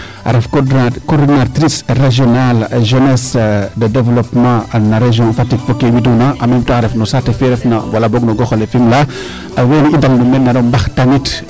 a ref coordinatrice regionale jeunesse de developpement na region Fatick fo kee widuuna en meme temps a ref no saate fe wala boog no goxole refna no Fimela weene i ndalnu meen mbaro mbaxtaanit